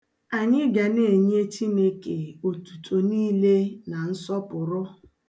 Anyị ga na-enye Chineke otutu niile na nsọpụrụ.